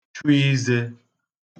chụ izē